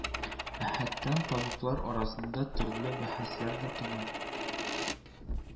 Әһәттән табиблар арасында төрле бәхәсләр дә тумый